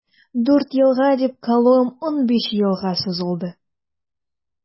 Дүрт елга дип калуым унбиш елга сузылды.